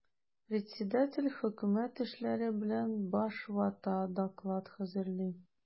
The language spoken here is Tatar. Председатель хөкүмәт эшләре белән баш вата, доклад хәзерли.